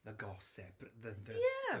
the gossip, the... the... Ie.